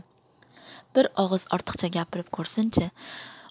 bir og'iz ortiqcha gapirib ko'rsinchi